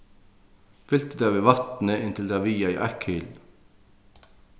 vit fyltu tað við vatni inntil tað vigaði eitt kilo